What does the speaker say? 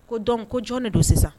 Ko dɔn ko jɔn de don sisan